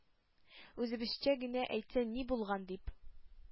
Үзебезчә генә әйтсәң ни булган? - дип,